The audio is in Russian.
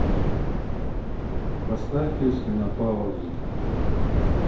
поставь песню на паузу